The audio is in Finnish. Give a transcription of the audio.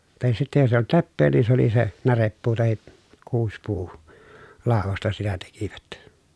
tai sitten jos ei ollut leppää niin se oli se närepuu tai - kuusipuulaudasta sitä tekivät